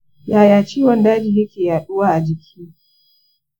yaya ciwon daji yake yaɗuwa a jiki?